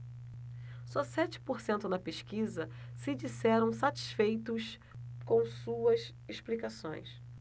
só sete por cento na pesquisa se disseram satisfeitos com suas explicações